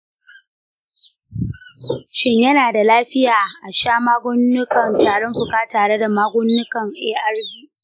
shin yana da lafiya a sha magungunan tarin fuka tare da magungunan arv?